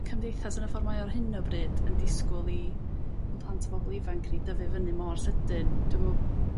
y cymdeithas yn y ffor' mae o ar hyn o bryd yn disgwyl i 'yn plant a a bobol ifanc ni dyfu fyny mor sydyn dw'm yn...